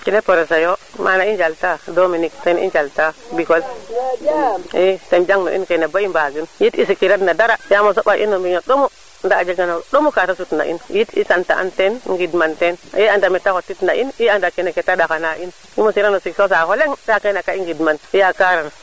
kene projet yo mana i njalta Dominick Sene i njalta Bikol i ten jangnu in kane bo i mbagin yit i sikiran no dara yaam a soɓa in o mbiño ɗomu nda a jega no ɗomu ka te sutna in it i sante an teen ngid man teen i anda meete xotit na in i anda kene kete ɗaxa na in i mosirano sik o saaxo leng ke kene ka i ngid man yakaran